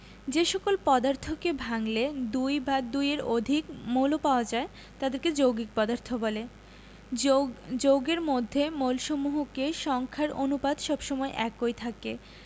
যে সকল পদার্থকে ভাঙলে দুই বা দুইয়ের অধিক মৌল পাওয়া যায় তাদেরকে যৌগিক পদার্থ বলে যৌগ যৌগের মধ্যে মৌলসমূহকে সংখ্যার অনুপাত সব সময় একই থাকে